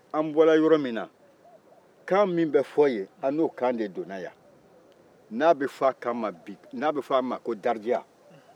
an bɔra yɔrɔ min na kan min bɛ fɔ yen an'o de nana n'a bɛ fɔ a kan ma ko darija